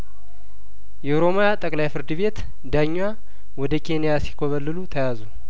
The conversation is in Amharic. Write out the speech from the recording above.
የኦሮመያ ጠቅላይ ፍርድ ቤት ዳኛ ወደ ኬንያ ሲኮበልሉ ተያዙ